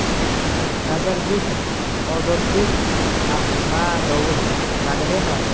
nazarbekov ozodbek ahmadovich madaniyat vaziri